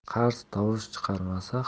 qarz tovush chiqarmasa